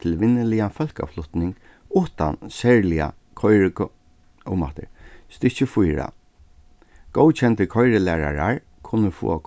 til vinnuligan fólkaflutning uttan serliga umaftur stykki fýra góðkendir koyrilærarar kunnu fáa